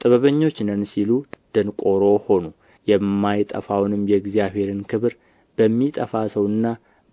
ጥበበኞች ነን ሲሉ ደንቆሮ ሆኑ የማይጠፋውንም የእግዚአብሔር ክብር በሚጠፋ ሰውና